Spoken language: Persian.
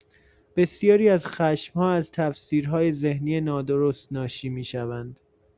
بسیاری از خشم‌ها از تفسیرهای ذهنی نادرست ناشی می‌شوند.